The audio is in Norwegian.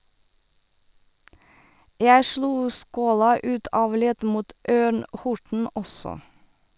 - Jeg slo skåla ut av ledd mot Ørn-Horten også.